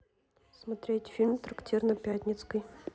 смотреть фильм трактир на пятницкой